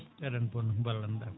aɗa bonna ko ballanno ɗami